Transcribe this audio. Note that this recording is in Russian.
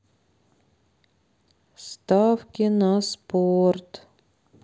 ставки на спорт